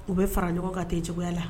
U bɛ fara ɲɔgɔn ka kɛ juguya la